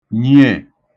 nyiè